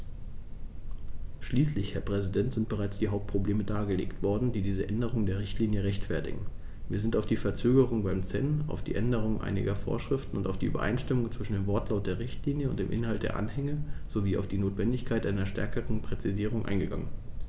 Schließlich, Herr Präsident, sind bereits die Hauptprobleme dargelegt worden, die diese Änderung der Richtlinie rechtfertigen, wir sind auf die Verzögerung beim CEN, auf die Änderung einiger Vorschriften, auf die Übereinstimmung zwischen dem Wortlaut der Richtlinie und dem Inhalt der Anhänge sowie auf die Notwendigkeit einer stärkeren Präzisierung eingegangen.